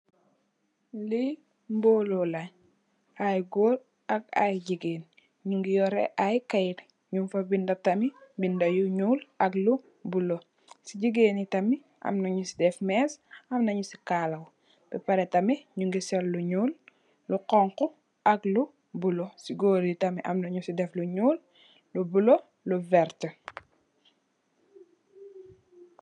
Lii mbolola ayy gorr ak ayy gigeen. Nyingi yoreh ayy kaiit, nyingfa binda tamit binda yu nyul, lu bula . Si gigeen tamit amna nyusi deff mess, amna nyusi kalawu, beh pareh tamit nyingi sol lu nyul, lu xoxu ak lu bula. Gorr yi tamit amna nyusi sol lu nyul, lu vertt.